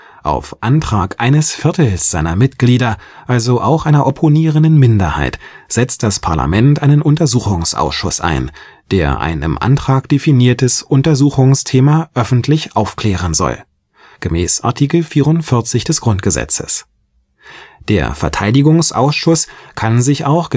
Auf Antrag eines Viertels seiner Mitglieder – also auch einer opponierenden Minderheit – setzt das Parlament einen Untersuchungsausschuss ein, der ein im Antrag definiertes Untersuchungsthema öffentlich aufklären soll (Art. 44 GG). Der Verteidigungsausschuss kann sich auch